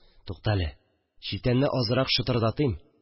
Тукта әле, читәнне азрак шытырдатыйм